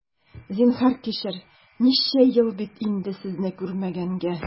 Зинһар, кичер, ничә ел бит инде сезне күрмәгәнгә!